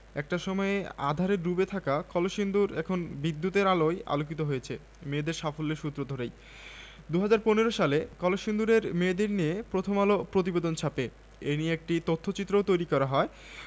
কলসিন্দুরের নানা সমস্যার কথাও সরকারের নজরে আসে পরে বিদ্যুৎ জ্বালানি ও খনিজ সম্পদ প্রতিমন্ত্রী নসরুল হামিদদের উদ্যোগে সেখানে বিদ্যুৎ এসেছে স্থানীয় জনপ্রতিনিধিদের দেওয়া তথ্য অনুযায়ী